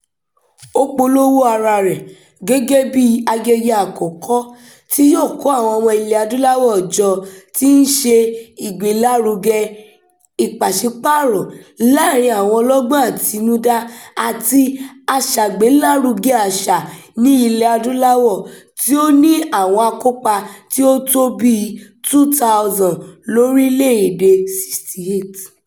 Ó polówó araa rẹ̀ gẹ́gẹ́ bíi "ayẹyẹ àkọ́kọ́ tí yóò kó àwọn ọmọ ilẹ̀ adúláwọ̀ jọ tí ń ṣe ìgbélárugẹ ìpàṣípààrọ̀ láàárín àwọn ọlọ́gbọ́n àtinudá àti aṣàgbélárugẹ àṣà ní Ilẹ̀-Adúláwọ̀ ", tí ó ní àwọn akópa tí ó tó bíi 2,000 láti orílẹ̀-èdè 68.